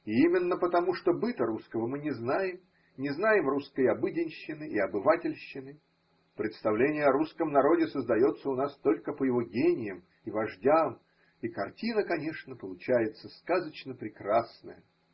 И именно потому, что быта русского мы не знаем, не знаем русской обыденщины и обывательщины, – представление о русском народе создается у нас только по его гениям и вождям, и картина, конечно, получается сказочно прекрасная.